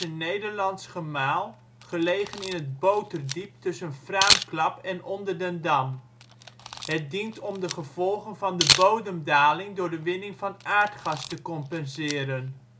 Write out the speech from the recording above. Nederlands gemaal gelegen in het Boterdiep tussen Fraamklap en Onderdendam. Het dient om de gevolgen van de bodemdaling door de winning van aardgas te compenseren